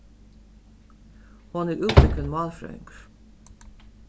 hon er útbúgvin málfrøðingur